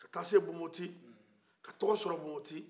ka taa se bonboti ka tɔgɔ sɔrɔ bonboti